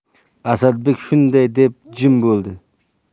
asadbek shunday deb jim bo'ldi